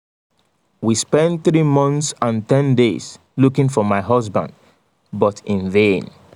We spent three months and ten days looking for my husband, but in vain ...